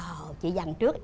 ờ chị dằn trước